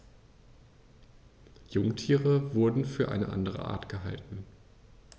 Jungtiere wurden für eine andere Art gehalten.